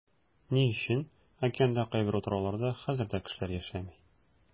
Ни өчен океанда кайбер утрауларда хәзер дә кешеләр яшәми?